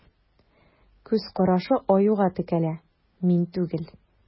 Күз карашы Аюга текәлә: мин түгел.